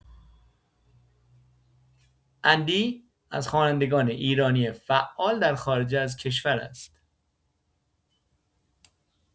اندی از خوانندگان ایرانی فعال در خارج از کشور است.